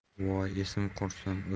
voy esim qursin